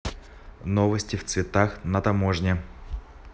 новости в цветах на таможне